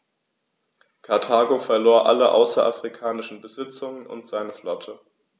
Karthago verlor alle außerafrikanischen Besitzungen und seine Flotte.